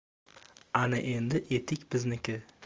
ana endi etik bizniki